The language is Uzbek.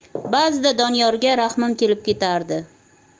ba'zida doniyorga rahmim kelib ketardi